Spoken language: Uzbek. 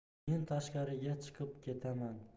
men tashqariga chiqib ketaman